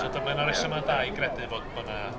Mae 'na resymau da i credu fod- bod 'na...